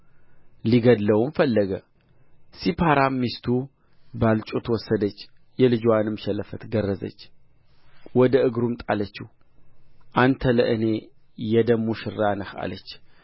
ሊገድለውም ፈለገ ሲፓራም ሚስቱ ባልጩት ወሰደች የልጅዋንም ሸለፈት ገረዘች ወደ እግሩም ጣለችው አንተ ለእኔ የደም ሙሽራ ነህ አለች